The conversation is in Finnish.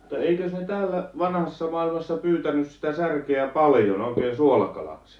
mutta eikös ne täällä vanhassa maailmassa pyytänyt sitä särkeä paljon oikein suolakalaksi